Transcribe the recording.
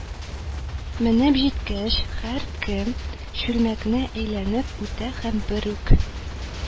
Менеп җиткән һәркем чүлмәкне әйләнеп үтә һәм бер ук